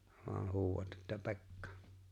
vain huudat että Pekka